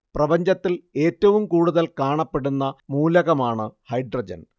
പ്രപഞ്ചത്തില്‍ ഏറ്റവും കൂടുതല്‍ കാണപ്പെടുന്ന മൂലകമാണ് ഹൈഡ്രജന്‍